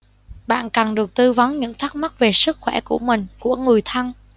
bạn cần được tư vấn những thắc mắc về sức khỏe của mình của người thân